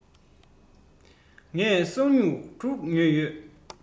ངས ཞྭ སྨྱུག དྲུག ཉོས ཡོད